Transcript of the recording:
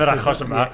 Yn yr achos yma...